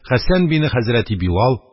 Хәсән бине хәзрәти Билал,